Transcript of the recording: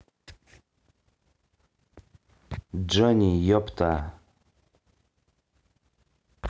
johnny йопта